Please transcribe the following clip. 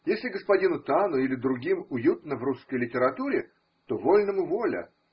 Если господину Тану или другим уютно в русской литературе, то вольному воля.